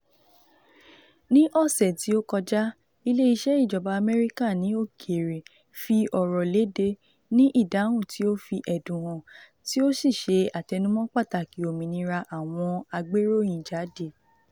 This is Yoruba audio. Ní ọ̀sẹ̀ tí ó kọjá, Ilé-iṣẹ́ Ìjọba Amẹ́ríkà ní Òkèèrè fi ọ̀rọ̀ léde ní ìdáhùn tí ó fi ẹ̀dùn hàn tí ó sì ṣe àtẹnumọ́ pàtàkì òmìnira àwọn agbéròyìnjáde.